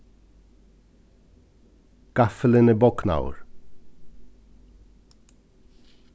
gaffilin er bognaður